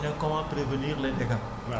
mais bëgg naa nga gën cee insister